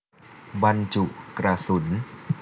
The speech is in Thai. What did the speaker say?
บรรจุกระสุน